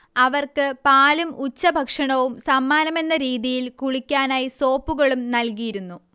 അവർക്ക് പാലും ഉച്ചഭക്ഷണവും സമ്മാനമെന്ന രീതിയിൽ കുളിക്കാനായ് സോപ്പുകളും നൽകിയിരുന്നു